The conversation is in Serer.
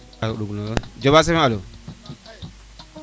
o ɗug noro le jogas Fm alo